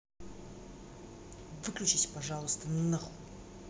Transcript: выключись пожалуйста нахуй